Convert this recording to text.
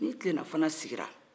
ni kilelafana sigila